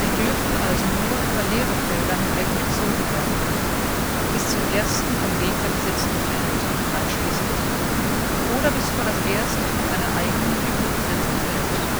dürfen also nur über leere Felder hinweg gezogen werden: bis zum ersten vom Gegner besetzten Feld (einschließlich) oder bis vor das erste von einer eigenen Figur besetzte Feld